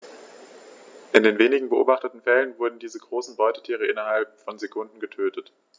In den wenigen beobachteten Fällen wurden diese großen Beutetiere innerhalb von Sekunden getötet.